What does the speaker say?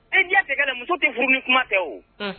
E ɲɛ tɛgɛ muso tɛ furu ni kuma tɛ la